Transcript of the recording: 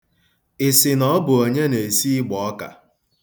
Ị sị na ọ bụ onye na-esi ịgbọọka?